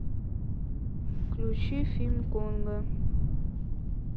включи фильм конга